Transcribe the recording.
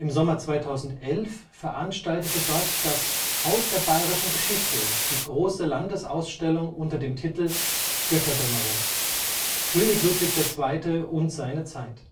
Sommer 2011 veranstaltete dort das Haus der Bayerischen Geschichte die große Landesausstellung unter dem Titel Götterdämmerung. König Ludwig II. und seine Zeit